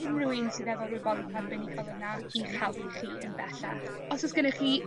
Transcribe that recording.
unryw un sydd efo'r wybodeth arbenigol yna i'ch helpu chi yn bellach. Os o's gennych chi